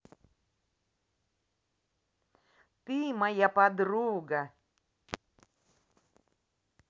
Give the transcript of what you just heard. ты моя подруга